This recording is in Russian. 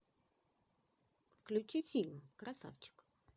включи фильм красавчик